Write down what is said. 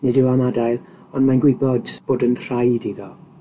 Nid yw am adael, ond mae'n gwybod bod yn rhaid iddo.